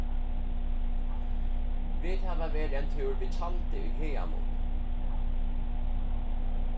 vit hava verið ein túr við tjaldi í haganum